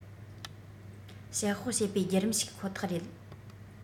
དཔྱད དཔོག བྱེད པའི བརྒྱུད རིམ ཞིག ཁོ ཐག རེད